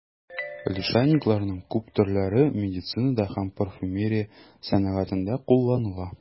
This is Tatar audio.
Лишайникларның күп төрләре медицинада һәм парфюмерия сәнәгатендә кулланыла.